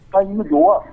Ami don wa